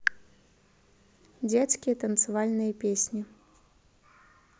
детские танцевальные песни